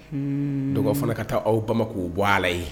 Dɔw fana ka taa aw bamakɔ bɔ ala ye